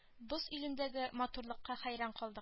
Боз илендәге матурлыкка хәйран калдык